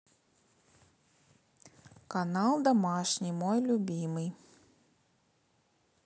канал домашний мой любимый